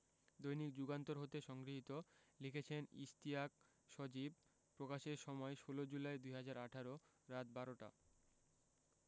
দৈনিক যুগান্তর হতে সংগৃহীত লিখেছেন ইশতিয়াক সজীব প্রকাশের সময় ১৬ জুলাই ২০১৮ রাত ১২টা